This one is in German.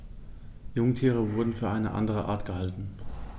Jungtiere wurden für eine andere Art gehalten.